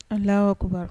Alaahu akubaru